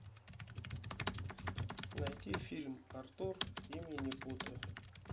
найди фильм артур и минипуты